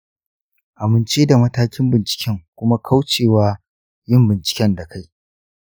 amince da matakin binciken kuma kaucewa yin bincike da kai.